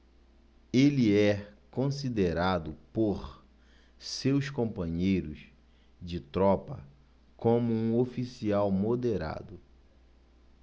ele é considerado por seus companheiros de tropa como um oficial moderado